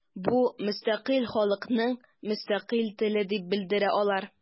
Бу – мөстәкыйль халыкның мөстәкыйль теле дип белдерә алар.